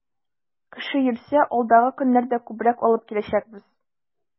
Кеше йөрсә, алдагы көннәрдә күбрәк алып киләчәкбез.